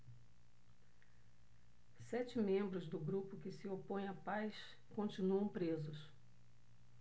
sete membros do grupo que se opõe à paz continuam presos